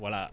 voilà